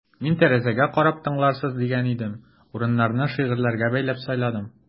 Мин тәрәзәгә карап тыңларсыз дигән идем: урыннарны шигырьләргә бәйләп сайладым.